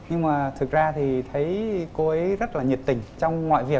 nhưng mà thực ra thì thấy cô ấy rất là nhiệt tình trong mọi việc